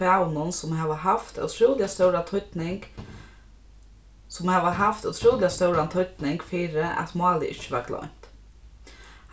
kvæðunum sum hava havt ótrúliga stóra týdning sum hava havt ótrúliga stóran týdning fyri at málið ikki varð gloymt